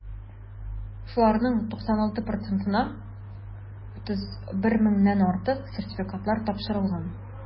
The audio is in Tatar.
Шуларның 96 процентына (31 меңнән артык) сертификатлар тапшырылган.